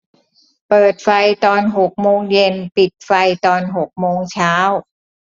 เปิดไฟตอนหกโมงเย็นปิดไฟตอนหกโมงเช้า